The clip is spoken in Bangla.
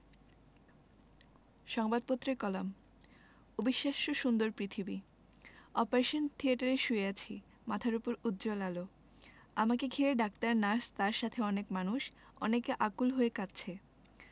সংবাদপত্রের কলাম অবিশ্বাস্য সুন্দর পৃথিবী অপারেশন থিয়েটারে শুয়ে আছি মাথার ওপর উজ্জ্বল আলো আমাকে ঘিরে ডাক্তার নার্স তার সাথে অনেক মানুষ অনেকে আকুল হয়ে কাঁদছে